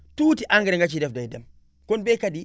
tuuti engrais :gra nga ciy def day dem kon baykat yi